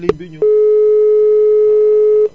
ligne bi